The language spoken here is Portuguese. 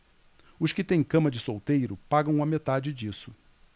os que têm cama de solteiro pagam a metade disso